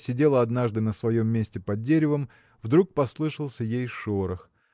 сидела однажды на своем месте под деревом вдруг послышался ей шорох